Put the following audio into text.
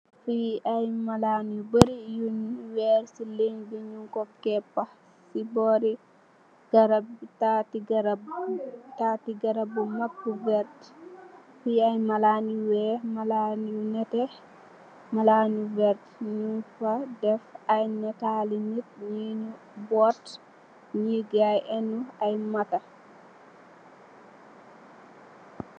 Fii aye malaan yu bori, yuñ weer si liiñ bi, ñungko kepa, si bori taati garap bu mak bu vert, fii aye malaan yu weeh, malaan yu neteh, malaan yu vert, ñungfa def aye nitaali nit, ñii ñu boot, ñii gaay enu aye matah.